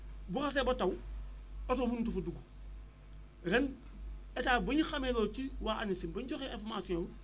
bu xasee ba taw oto mënatu fa dugg ren état bu ñu xamee loolu ci waa ANACIM bi ñu joxee information